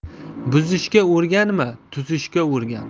buzishga o'rganma tuzishga o'rgan